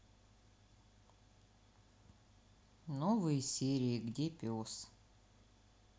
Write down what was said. новые серии где пес